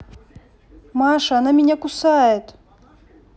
маша она меня кусает